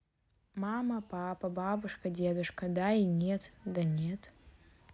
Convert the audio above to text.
мама папа бабушка дедушка да и нет да нет